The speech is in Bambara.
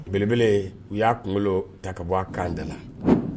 Belebele u y'a kunkolo ta ka bɔ a kan dana